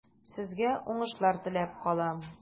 Сезгә уңышлар теләп калам.